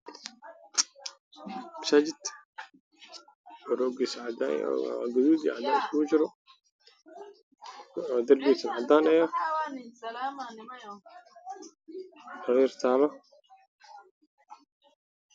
Waa qol Dhulka waa cadaan iyo guduud